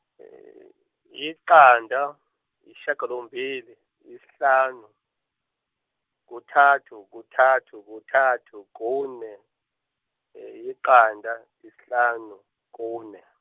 yiqanda, yishagalombili, yisihlanu, kuthathu kuthathu kuthathu kune, yiqanda, yisihlanu kune.